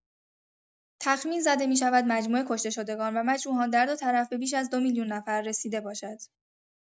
تخمین زده می‌شود مجموع کشته شدگان و مجروحان در دو طرف به بیش از دو میلیون نفر رسیده باشد.